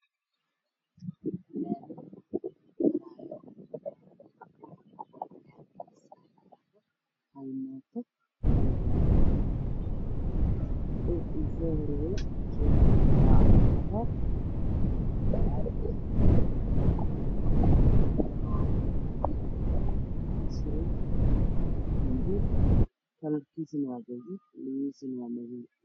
Walaamin waxaa maraayo gaari weyn oo ciid wado ee bajaaj iyo kareeto